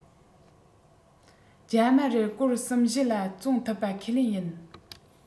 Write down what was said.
རྒྱ མ རེར གོར གསུམ བཞི ལ བཙོངས ཐུབ པ ཁས ལེན ཡིན